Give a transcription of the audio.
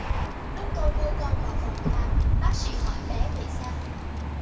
lúc tôi đưa con vào phòng khám bác sĩ hỏi bé bị sao